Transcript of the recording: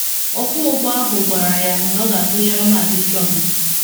Ọkwọ ụgbọ ahụ gwara ya na ọ ga-atụnyere Maazị Trump.